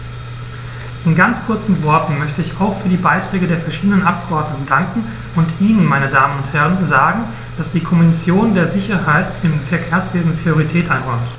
In ganz kurzen Worten möchte ich auch für die Beiträge der verschiedenen Abgeordneten danken und Ihnen, meine Damen und Herren, sagen, dass die Kommission der Sicherheit im Verkehrswesen Priorität einräumt.